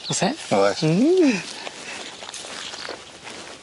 O's e? Oes. W!